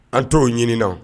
An t'o ɲininina